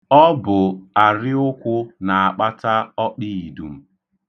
Ọ bụ arịụkwụ na-akpata ọkpiidum.